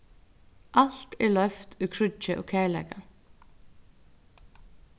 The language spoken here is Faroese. alt er loyvt í kríggi og kærleika